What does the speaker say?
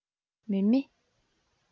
མཱེ མཱེ